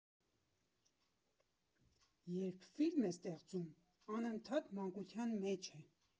Երբ ֆիլմ է ստեղծում, անընդհատ մանկության մեջ է.